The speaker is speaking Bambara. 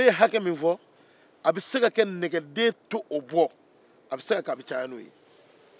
ne ye hake min fɔ a bɛ se ka kɛ nɛgɛden tɛ o bɔ walima a bɛ caya n'o ye